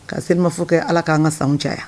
Ka se mafo kɛ ala k'an ka san caya